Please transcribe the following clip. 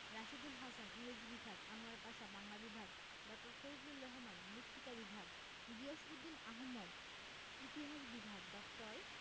রাশীদুল হাসান ইংরেজি বিভাগ আনোয়ার পাশা বাংলা বিভাগ ড. ফজলুর রহমান মৃত্তিকা বিভাগ গিয়াসউদ্দিন আহমদ ইতিহাস বিভাগ ড.